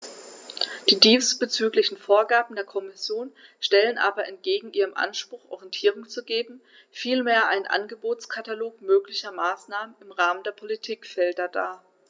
Die diesbezüglichen Vorgaben der Kommission stellen aber entgegen ihrem Anspruch, Orientierung zu geben, vielmehr einen Angebotskatalog möglicher Maßnahmen im Rahmen der Politikfelder dar.